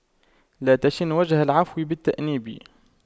لا تشن وجه العفو بالتأنيب